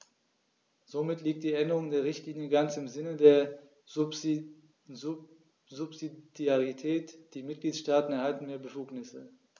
Somit liegt die Änderung der Richtlinie ganz im Sinne der Subsidiarität; die Mitgliedstaaten erhalten mehr Befugnisse.